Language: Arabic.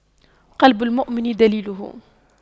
قلب المؤمن دليله